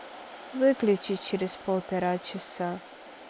выключи через полтора часа